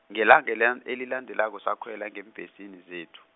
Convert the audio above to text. ngelanga ngelan- elilandelako sakhwela ngeembhesini zethu.